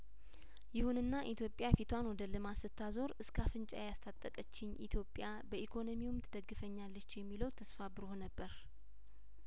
ይሁንና ኢትዮጵያ ፊቷን ወደ ልማት ስታ ዞር እስከ አፍንጫዬ ያስታጠቀችኝ ኢትዮጵያ በኢኮኖሚውም ትደግፈኛለች የሚለው ተስፋ ብሩህ ነበር